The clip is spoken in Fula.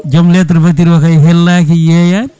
joom lettre voiture o kay helnaki yeyani